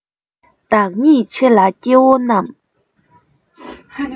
བདག ཉིད ཆེ ལ སྐྱེ བོ རྣམས